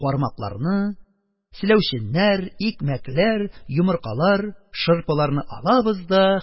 Кармакларны, селәүчәннәр, икмәкләр, йомыркалар, шырпыларны алабыз да